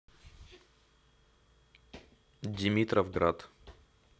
димитровград